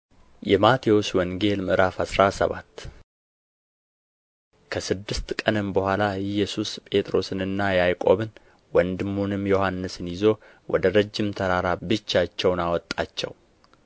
﻿የማቴዎስ ወንጌል ምዕራፍ አስራ ሰባት ከስድስት ቀንም በኋላ ኢየሱስ ጴጥሮስንና ያዕቆብን ወንድሙንም ዮሐንስን ይዞ ወደ ረጅም ተራራ ብቻቸውን አወጣቸው